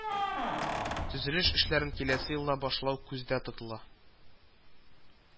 Төзелеш эшләрен киләсе елда башлау күздә тотыла